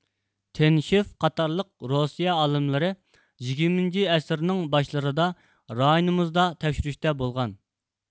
تىنىشېف قاتارلىق روسىيە ئالىملىرى يىگىرمىنچى ئەسىرنىڭ باشلىرىدا رايونىمىزدا تەكشۈرۈشتە بولغان